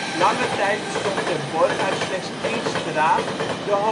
Lange tijd bestond Terborg uit slechts één straat, de